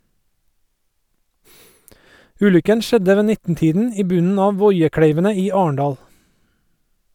Ulykken skjedde ved 19-tiden i bunnen av Voiekleivene i Arendal.